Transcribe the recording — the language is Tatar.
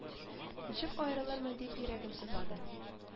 Ничек аерылырмын дип йөрәгем сызлады